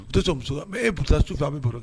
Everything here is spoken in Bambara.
Tɛ e su a bɛ